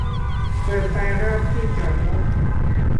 เปิดไฟรอบที่จอดรถ